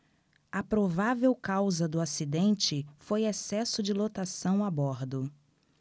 a provável causa do acidente foi excesso de lotação a bordo